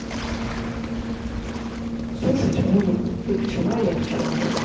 слушать музыку ты пчела я пчеловод